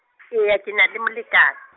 eya ke na le molekane.